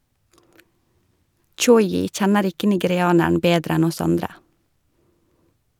Tchoyi kjenner ikke nigerianeren bedre enn oss andre